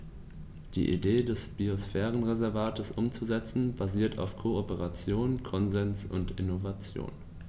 Die Idee des Biosphärenreservates umzusetzen, basiert auf Kooperation, Konsens und Innovation.